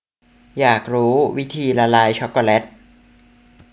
อยากรู้วิธีละลายช็อคโกแลต